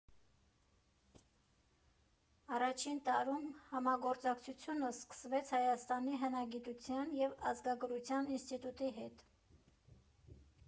Առաջին տարում համագործակցությունը սկսվեց Հայաստանի հնագիտության և ազգագրության ինստիտուտի հետ։